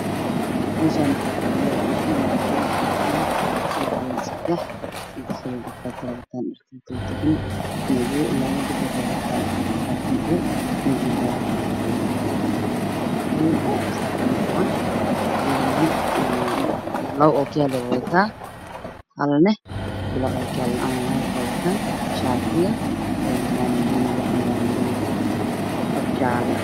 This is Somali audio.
Meeshani waxaa fadhiyo gabdho gabdhahaasi waxay wataan dirac madaw